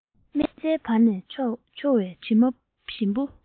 སྨན རྩྭའི བར ནས འཕྱོ བའི དྲི མ ཞིམ པོ